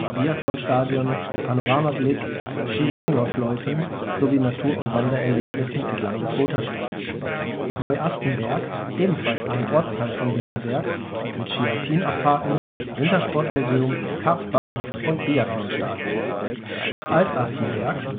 Biathlonstadion, Panoramablick, Skilanglauf-Loipen, Natur und Wandern entlang des Rothaarsteigs) Neuastenberg (Ski-Alpin-Abfahrten, Wintersportmuseum, Kartbahn, Biathlonstadion) Altastenberg